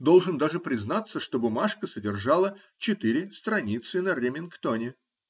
должен даже признаться, что бумажка содержала четыре страницы на ремингтоне.